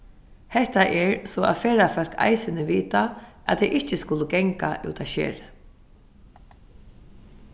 hetta er so at ferðafólk eisini vita at tey ikki skulu ganga út á skerið